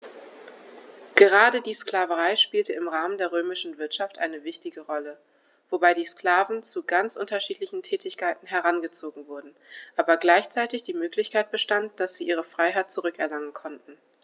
Gerade die Sklaverei spielte im Rahmen der römischen Wirtschaft eine wichtige Rolle, wobei die Sklaven zu ganz unterschiedlichen Tätigkeiten herangezogen wurden, aber gleichzeitig die Möglichkeit bestand, dass sie ihre Freiheit zurück erlangen konnten.